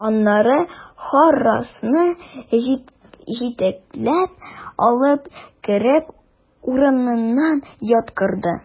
Аннары Харрасны җитәкләп алып кереп, урынына яткырды.